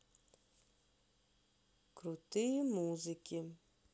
крутые музыки